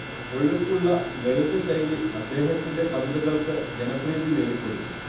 ഒഴുക്കുള്ള ലളിതശൈലി അദ്ദേഹത്തിന്റെ കവിതകൾക്ക് ജനപ്രീതി നേടിക്കൊടുത്തു